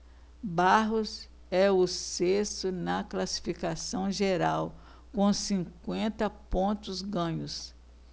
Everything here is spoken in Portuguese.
barros é o sexto na classificação geral com cinquenta pontos ganhos